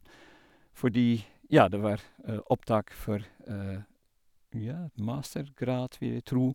Fordi, ja, det var opptak for, ja, en mastergrad, vil jeg tro.